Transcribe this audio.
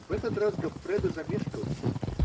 В этот раз Гоффредо замешкался